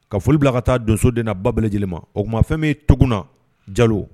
Ka foli bila ka taa donsoden na bab lajɛlen ma o tuma ma fɛn bɛ ye to na jalo